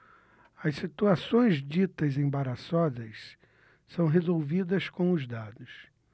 as situações ditas embaraçosas são resolvidas com os dados